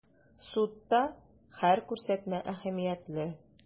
Судта һәр күрсәтмә әһәмиятле.